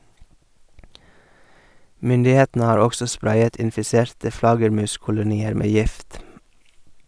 Myndighetene har også sprayet infiserte flaggermuskolonier med gift.